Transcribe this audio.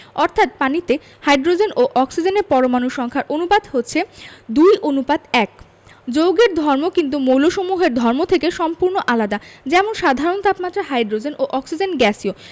অর্থাৎ পানিতে হাইড্রোজেন ও অক্সিজেনের পরমাণুর সংখ্যার অনুপাত হচ্ছে ২ অনুপাত ১যৌগের ধর্ম কিন্তু মৌলসমূহের ধর্ম থেকে সম্পূর্ণ আলাদা যেমন সাধারণ তাপমাত্রায় হাইড্রোজেন ও অক্সিজেন গ্যাসীয়